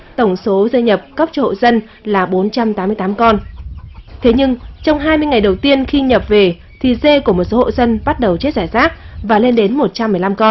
tổng số dê nhập cấp cho hộ dân là bốn trăm tám mươi tám con thế nhưng trong hai ngày đầu tiên khi nhập về thì dê của một số hộ dân bắt đầu chết rải rác và lên đến một trăm mười lăm con